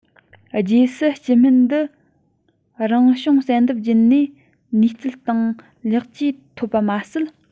རྗེས སུ སྐྱི རྨེན འདི རང བྱུང བསལ འདེམས བརྒྱུད ནས ནུས རྩལ སྟེང ལེགས བཅོས ཐོབ པ མ ཟད